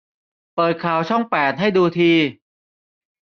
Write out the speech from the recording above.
เปิดข่าวช่องแปดให้ดูที